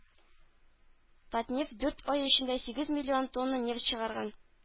“татнефть” дүрт ай эчендә сигез миллион тонна нефть чыгарган